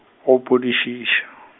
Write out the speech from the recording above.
gopodišiša.